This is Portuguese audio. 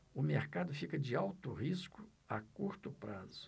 o mercado fica de alto risco a curto prazo